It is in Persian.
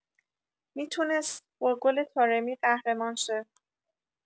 میتونس با گل طارمی قهرمان شه